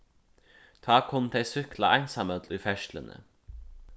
tá kunnu tey súkkla einsamøll í ferðsluni